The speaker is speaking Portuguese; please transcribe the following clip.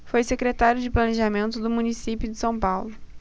foi secretário de planejamento do município de são paulo